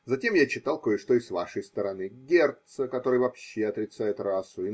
Затем я читал кое-что и с вашей стороны – Гертца. который вообще отрицает расу.